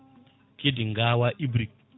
kadi gawa hebride